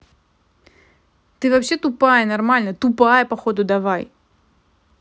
ты вообще тупая нормально тупая походу давай